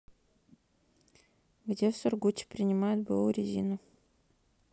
где в сургуте принимают бу резину